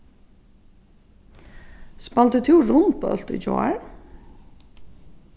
spældi tú rundbólt í gjár